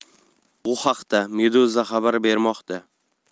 bu haqda meduza xabar bermoqda